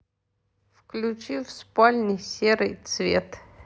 включи в спальне серый цвет